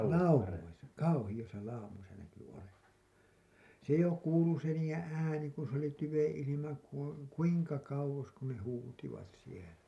laumoissa kauheissa laumoissa näkyi olevan se jo kuului se niiden ääni kun se oli tyven ilma - kuinka kauas kun ne huusivat siellä